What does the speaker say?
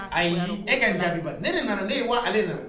Ayi e ka n jaabi bani. Ne de nana ne ye wa ale de nana